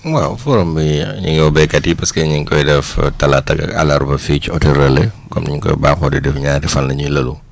waaw forum bi ñu ngi woo béykat yi parce que ñu ngi koy def talaata beeg àllarba fii ci hotel Relais comme ni ñu ko baaxoo di def ñaari fan la ñuy lëlu